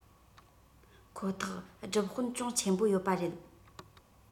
ཁོ ཐག སྒྲུབ དཔོན ཅུང ཆེན པོ ཡོད པ རེད